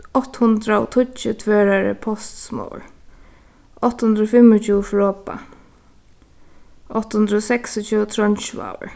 átta hundrað og tíggju tvøroyri postsmogur átta hundrað og fimmogtjúgu froðba átta hundrað og seksogtjúgu trongisvágur